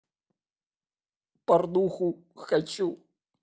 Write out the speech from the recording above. порнуху хочу